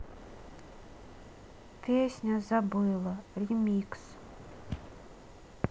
песня забыла ремикс